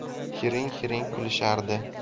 hiring hiring kulishardi